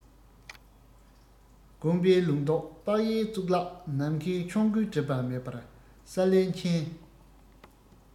བསྒོམ པས ལུང རྟོགས དཔག ཡས གཙུག ལག ནམ མཁའི ཁྱོན ཀུན སྒྲིབ པ མེད པར གསལ ལེར མཁྱེན